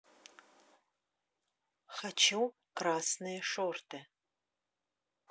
хочу красные шорты